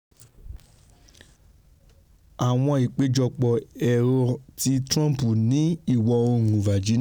Àwọn ìpéjọpọ̀ èrò ti Trump ní Ìwọ-oòrùn Virginia